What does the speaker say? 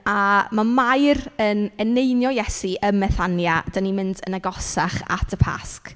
A ma' Mair yn eneinio Iesu ym Methania, dan ni'n mynd yn agosach at y Pasg.